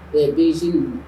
Ɛɛ gz ninnu